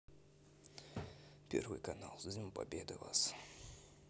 первый канал с днем победы вас